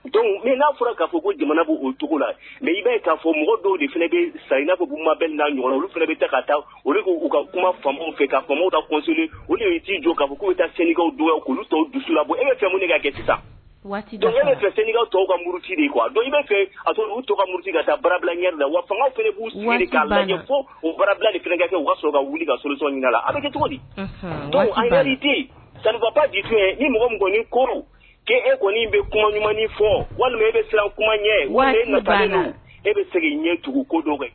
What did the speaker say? Donc min n'a fɔra ka' fɔ ko jamana' la mɛ i bɛ k'a fɔ mɔgɔw dɔw de filɛ bɛ sa iinaa k'u ma bɛ na ɲɔgɔn olu fana bɛ ta ka taa olu k' k'u ka kuma fanw fɛ k ka fɔ maaw da coso olu ye ji jɔ k'a k'u ta sɛnɛkaw don k'olu tɔw dusu la e bɛ fɛ mununi ka kɛ sa waati e fɛ senkaw tɔw ka muru de a dɔn i' fɛ ka to ka murusi ka taa bara bila ɲɛ la wa fanga fɛ b'u ka ɲɛ fo u barabila nikɛ kɛ u'a sɔrɔ ka wuli ka ssɔn ɲini la a bɛ cogo di sanfaba fɛn ni mɔgɔ kɔniɔni ko k e kɔni bɛ kuma ɲuman fɔ walima e silamɛ kuma ɲɛ na na e bɛ segin ɲɛ tugun ko dɔ kɛ